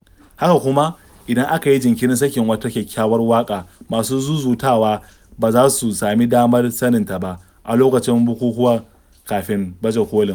Haka kuma, in aka yi jinkirin sakin wata kyakkyawar waƙa, masu zuzutawa ba za su sami damar sanin ta ba, a lokacin bukukuwan kafin baje-kolin.